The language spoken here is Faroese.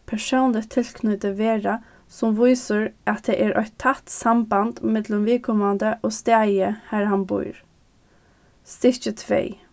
persónligt tilknýti vera sum vísir at tað er eitt tætt samband millum viðkomandi og staðið har hann býr stykki tvey